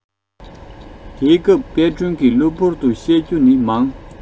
དེ སྐབས དཔལ སྒྲོན གྱི གློ བུར དུ བཤད རྒྱུ ནི མང